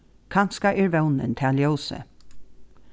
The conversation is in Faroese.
kanska er vónin tað ljósið